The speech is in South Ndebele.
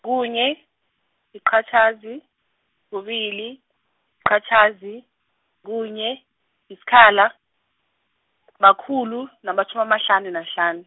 kunye, yiqhatjhazi, kubili, yiqhatjhazi, kunye, yisikhala, makhulu namatjhumi amahlanu nahlanu.